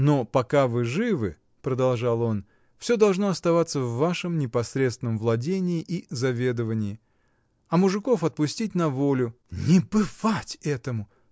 — Но пока вы живы, — продолжал он, — всё должно оставаться в вашем непосредственном владении и заведовании. А мужиков отпустить на волю. — Не бывать этому!